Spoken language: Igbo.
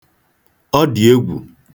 Ọ dị egwu!